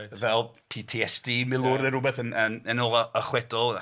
Fel PTSD milwr neu rywbeth yn... yn ôl y chwedl.